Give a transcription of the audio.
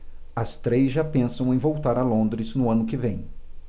as três já pensam em voltar a londres no ano que vem